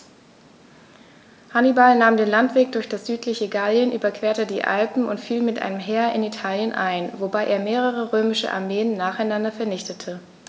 Hannibal nahm den Landweg durch das südliche Gallien, überquerte die Alpen und fiel mit einem Heer in Italien ein, wobei er mehrere römische Armeen nacheinander vernichtete.